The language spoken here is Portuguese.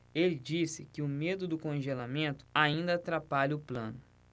ele disse que o medo do congelamento ainda atrapalha o plano